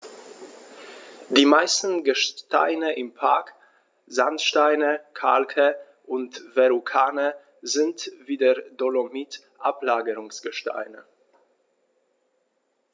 Die meisten Gesteine im Park – Sandsteine, Kalke und Verrucano – sind wie der Dolomit Ablagerungsgesteine.